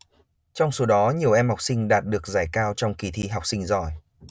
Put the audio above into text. trong số đó nhiều em học sinh đạt được giải cao trong kỳ thi học sinh giỏi